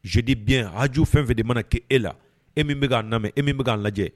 Joodi bi araju fɛn fɛ de mana kɛ e la e min bɛ k'a nami e min bɛ k'a lajɛ